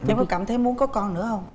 em có cảm thấy muốn có con nữa không